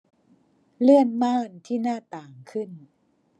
เลื่อนม่านที่หน้าต่างขึ้น